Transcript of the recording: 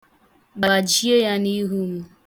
Gbajie ya n'ihu m.